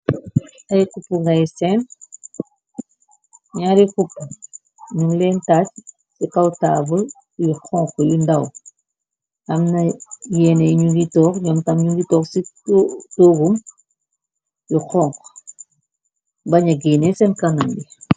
Ay cupu ngay se ñaari kup ñu leen taaj ci kawtaabal yu xonk yu ndaw am na yeeney ñu nlitoog yoomtam ñu gi toog ci toogum yu xonk ba ña giinee seen kànnam bi.